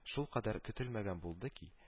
Шулкадәр көтелмәгән булды ки